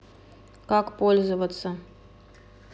как пользоваться